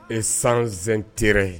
E sanzte